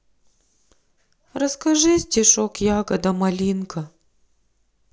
расскажи стишок ягода малинка